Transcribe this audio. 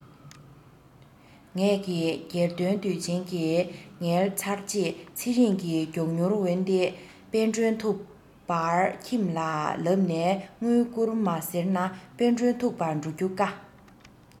ངས ཀྱི རྒྱལ སྟོན དུས ཆེན གྱི ངལ ཚར རྗེས ཚེ རིང གི མགྱོགས མྱུར འོན ཏེ དཔལ སྒྲོན ཐུགས པར ཁྱིམ ལ ལབ ནས དངུལ བསྐུར མ ཟེར ན དཔལ སྒྲོན ཐུགས པར འགྲོ རྒྱུ དཀའ